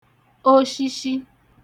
oshishi